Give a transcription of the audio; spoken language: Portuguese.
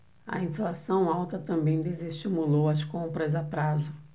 a inflação alta também desestimulou as compras a prazo